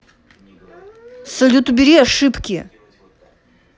салют убери ошибки